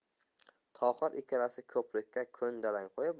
tohir ikkalasi ko'prikka ko'ndalang qo'yib